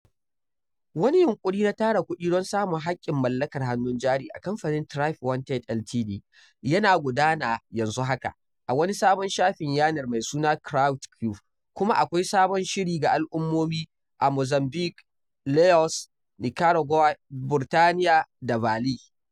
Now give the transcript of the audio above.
Wani yunƙuri na tara kuɗi don samun haƙƙin mallakar hannun jari a kamfanin TribeWanted Ltd yana gudana yanxu haka, a wani sabon shafin yanar mai suna Crowdcube, kuma akwai sabon shiri ga al’ummomi a Mozambique, Laos, Nicaragua, Burtaniya, da Bali.